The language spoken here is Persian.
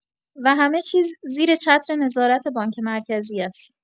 و همه چیز زیر چتر نظارت بانک مرکزی است.